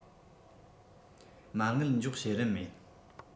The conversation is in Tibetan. མ དངུལ འཇོག བྱེད རིན མེད